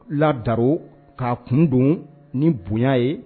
Ladaro k'a kun don ni bonya ye